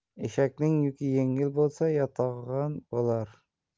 eshakning yuki yengil bo'lsa yotag'on bo'lar